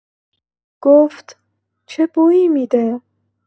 گفت: «چه بویی می‌ده!»